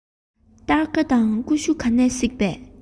སྟར ཁ དང ཀུ ཤུ དེ ཚོ ག ནས གཟིགས པ